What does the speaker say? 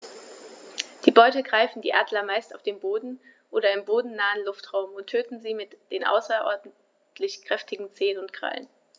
Die Beute greifen die Adler meist auf dem Boden oder im bodennahen Luftraum und töten sie mit den außerordentlich kräftigen Zehen und Krallen.